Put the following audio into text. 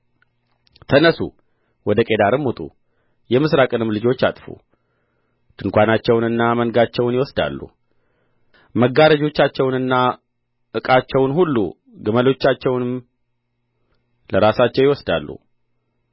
ተነሡ ወደ ቄዳርም ውጡ የምሥራቅንም ልጆች አጥፉ ድንኳናቸውንና መንጋቸውን ይወስዳሉ መጋረጆቻቸውንና ዕቃቸውን ሁሉ ግመሎቻቸውንም ለራሳቸው ይወስዳሉ